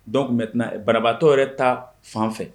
Dɔnku tun bɛ barabaatɔ yɛrɛ taa fan fɛ